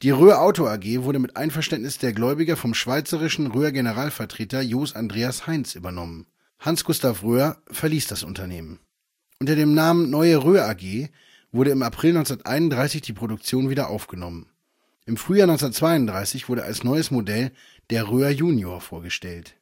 Röhr Auto AG wurde mit Einverständnis der Gläubiger vom schweizerischen Röhr-Generalvertreter Joos Andreas Heintz übernommen, Hans Gustav Röhr verließ das Unternehmen. Unter dem Namen Neue Röhr AG wurde im April 1931 die Produktion wieder aufgenommen. Im Frühjahr 1932 wurde als neues Modell der Röhr Junior vorgestellt